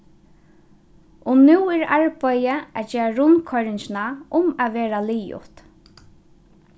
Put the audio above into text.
og nú er arbeiðið at gera rundkoyringina um at vera liðugt